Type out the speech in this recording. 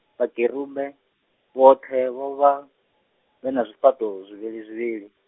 Vhakerumbe, vhoṱhe vho vha, vhena zwifhaṱo, zwivhilizwivhili.